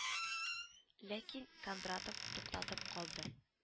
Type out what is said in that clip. Ләкин Кондратов туктатып калды